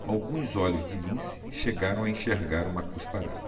alguns olhos de lince chegaram a enxergar uma cusparada